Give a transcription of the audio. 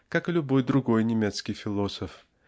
как и любой другой немецкий философ